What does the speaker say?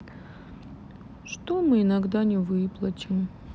что мы иногда не выплачем